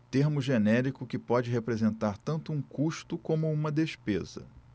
termo genérico que pode representar tanto um custo como uma despesa